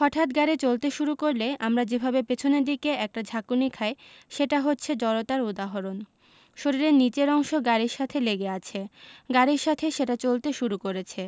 হঠাৎ গাড়ি চলতে শুরু করলে আমরা যেভাবে পেছনের দিকে একটা ঝাঁকুনি খাই সেটা হচ্ছে জড়তার উদাহরণ শরীরের নিচের অংশ গাড়ির সাথে লেগে আছে গাড়ির সাথে সাথে সেটা চলতে শুরু করেছে